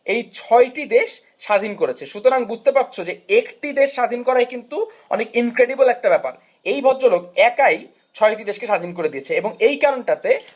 এই ছয়টি দেশ স্বাধীন করেছে সুতরাং বুঝতে পারছ একটি দেশ স্বাধীন করা করা কিন্তু অনেক ইনক্রেডিবল একটা ব্যাপার এই ভদ্রলোক একাই 6 টি দেশকে স্বাধীন করে দিয়েছে এবং এই কারণটাতে